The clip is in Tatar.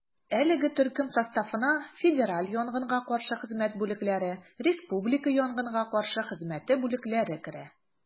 Әлеге төркем составына федераль янгынга каршы хезмәте бүлекләре, республика янгынга каршы хезмәте бүлекләре керә.